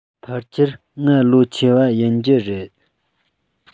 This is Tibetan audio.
ཕལ ཆེར ང ལོ ཆེ བ ཡིན རྒྱུ རེད